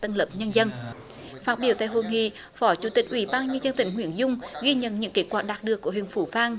tầng lớp nhân dân phát biểu tại hội nghị phó chủ tịch ủy ban nhân dân tỉnh nguyễn dung ghi nhận những kết quả đạt được của huyện phú vang